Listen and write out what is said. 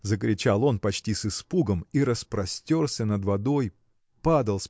– закричал он почти с испугом и распростерся над водой падал